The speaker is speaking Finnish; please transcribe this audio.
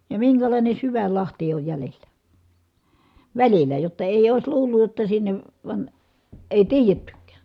ja minkälainen syvän lahti on jäljellä välillä jotta ei olisi luullut jotta sinne vaan ei tiedettykään